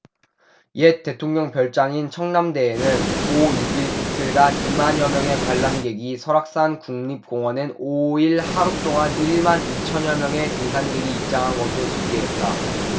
옛 대통령 별장인 청남대에는 오 육 일 이틀간 이 만여 명의 관람객이 설악산국립공원엔 오 일 하루 동안 일 만 이천 여 명의 등산객이 입장한 것으로 집계됐다